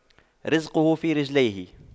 رِزْقُه في رجليه